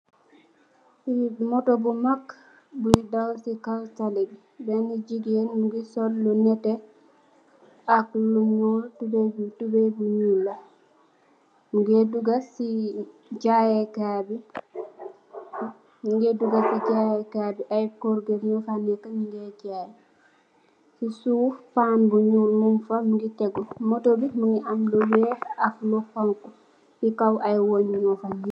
Motor bu mak, buy daw si kaw talli bi, ben jigeen mungi sol lu nete ak lu nyuul, tubeuy bi, tubeuy bu nyuul la, mungee duga si jaayee kaay bi, aye korget yu fa neka nyungee jaay, si suuf faan bu nyuul mung fa, mungi tegu, moto bi mungi am lu weeh ak lu xonxu, si kaw aye weung.